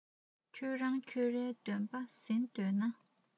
ཁྱོད རང ཁྱོད རའི འདོད པ ཟིན འདོད ན